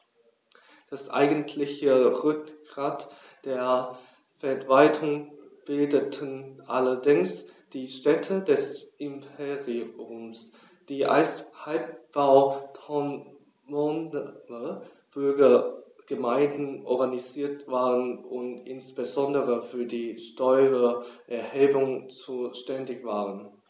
Das eigentliche Rückgrat der Verwaltung bildeten allerdings die Städte des Imperiums, die als halbautonome Bürgergemeinden organisiert waren und insbesondere für die Steuererhebung zuständig waren.